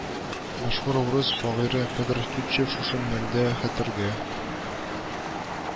Мәшһүр урыс шагыйре Федор Тютчев шушы мәлдә хәтергә